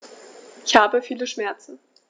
Ich habe viele Schmerzen.